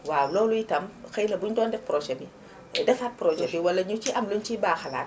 waaw loolu itam xëy na buñu doon def projet bi defaat projet bi walla ñu siy am luñu siy baaxalaat